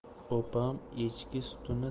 opam echki sutini